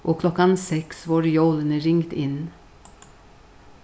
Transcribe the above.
og klokkan seks vórðu jólini ringd inn